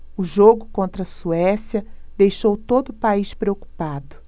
o jogo contra a suécia deixou todo o país preocupado